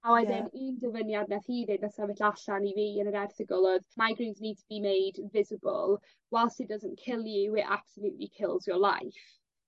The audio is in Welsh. A wedyn... Ie. ...un dyfyniad nath hi ddeud nath sefyll allan i fi yn yr erthygl o'dd migraines need to be made visable whilst it doesn't kill you it absolutely kills your life.